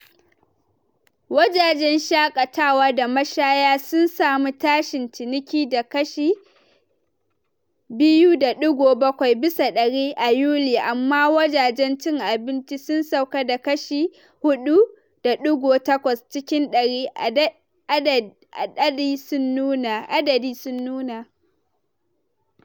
Wajajen shakatawa da mashaya sun samu tashin ciniki da kashi 2.7 bisa dari, a yuli amma wajajen cin abinci sun sauka da kashi 4.8 cikin dari, adadi sun nuna.